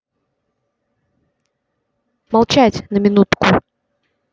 молчать на минутку